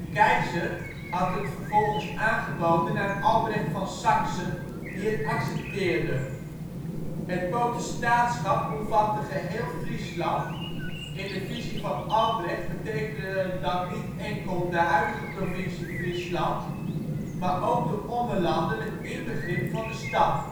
keizer had het vervolgens aangeboden aan Albrecht van Saksen die het accepteerde. Het potestaatschap omvatte geheel Friesland, in de visie van Albrecht betekende dat niet enkel de huidige provincie Friesland, maar ook de Ommelanden met inbegrip van de stad